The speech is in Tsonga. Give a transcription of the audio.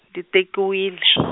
ni tekiwile .